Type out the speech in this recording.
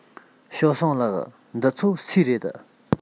ཞའོ སུང ལགས འདི ཚོ སུའི རེད